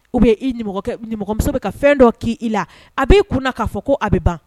oubien i nimɔgɔmuso bɛ ka fɛn dɔ ki la , a bi kun na ka fɔ ko a bi ban.